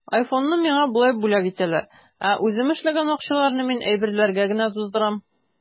Айфонны миңа болай бүләк итәләр, ә үзем эшләгән акчаларны мин әйберләргә генә туздырам.